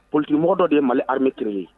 Polidilimɔgɔ dɔ de ye mali hametre ye